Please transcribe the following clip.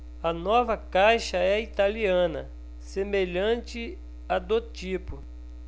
a nova caixa é italiana semelhante à do tipo